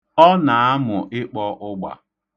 Ọ na-amụ ịkpọ ụgba.